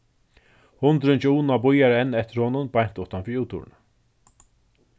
hundurin hjá una bíðar enn eftir honum beint uttan fyri úthurðina